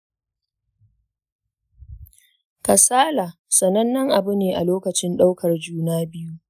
kasala sanannen abu ne a lokacin ɗaukar juna-biyu